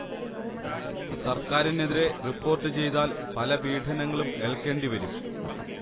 സർക്കാരിനെതിരെ റിപ്പോർട്ട് ചെയ്താൽ പല പീഡനങ്ങളും ഏൽക്കേണ്ടിവരും